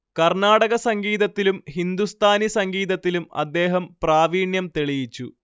കര്‍ണാടക സംഗീതത്തിലും ഹിന്ദുസ്ഥാനി സംഗീതത്തിലും അദ്ദേഹം പ്രാവീണ്യം തെളിയിച്ചു